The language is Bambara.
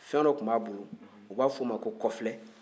fɛn dɔ tun b'a bolo u b'a f'o ma ko kɔfilɛ